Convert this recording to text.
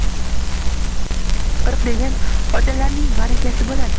qirq degan xotinlarning marakasi bo'ladi